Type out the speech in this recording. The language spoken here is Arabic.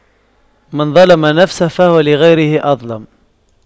من ظَلَمَ نفسه فهو لغيره أظلم